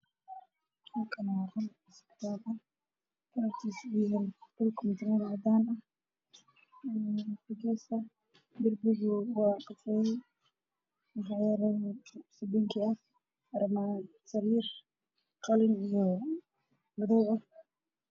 Meeshaan waa isbitaal waxaa yaalla sariir midabkeedu yahay madow waxa ay leedahay luga cago oo soconaayo